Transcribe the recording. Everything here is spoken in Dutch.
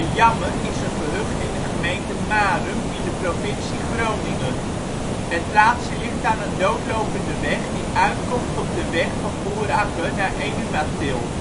Jammer is een gehucht in de gemeente Marum in de provincie Groningen. Het plaatsje ligt aan een doodlopende weg die uitkomt op de weg van Boerakker naar Enumatil